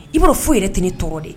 I b'a fɔ yɛrɛ tɛ ni tɔɔrɔ de